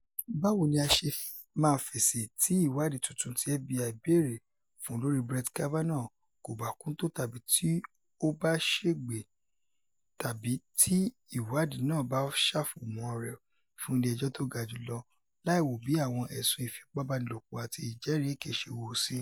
"Báwo ni a ṣe máa fèsì tí ìwádìí túntun tí F.B.I bèèrè fún lórí Brett Kavanaugh kò bá kún tó tàbí tí ó bá ṣègbè - tàbí tí ìwádìí náà bá ṣàfomọ́ rẹ̀ fún Ilé Ẹjọ́ tó ga jùlọ láìwo bí àwọn ẹ̀sùn ìfipabánilòpọ̀ àti ìjẹ́rìí èkè ṣe wúwo sí?